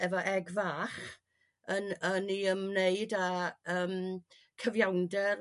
efo eg fach yn yn 'u ymwneud a yrm cyfiawnder